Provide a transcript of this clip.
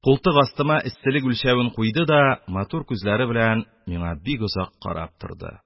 Култык астыма эсселек үлчәвен куйды да, матур күзләре белән миңа бик озак карап торды